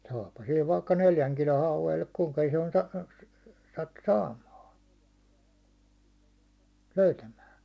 saahan sillä vaikka neljän kilon hauen eli kuinka ison - sattui saamaan löytämään